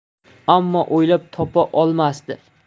ammo o'ylab topa olmasdi